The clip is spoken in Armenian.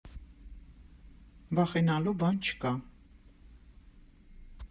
Վախենալու բան չկա։